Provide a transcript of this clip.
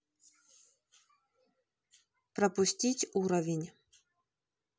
пропустить уровень